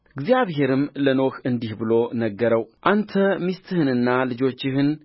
እግዚአብሔርም ለኖኅ እንዲህ ብሎ ነገረው አንተ ሚስትህንና ልጆችህን